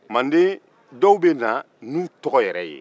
manden dɔw bɛ na n'u tɔgɔ yɛrɛ ye